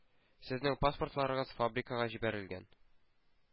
Сезнең паспортларыгыз фабрикага җибәрелгән.